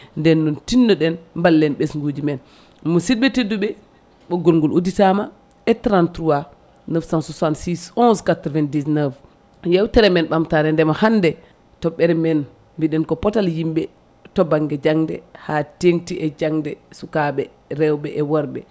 nden noon tinnoɗen ballen ɓesguji men musidɓe tedduɓe ɓoggol ngol udditama e 33 966 11 99 yewtere men ɓamtare ndeema hande toɓɓere men mbiɗen ko pootal yimɓe to banggue jangde ha tengti e jangde sukaɓe rewɓe e worɓe